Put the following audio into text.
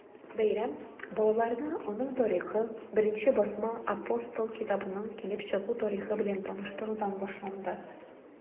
Бәйрәм балаларны аның тарихы, беренче басма “Апостол” китабының килеп чыгу тарихы белән таныштырудан башланды.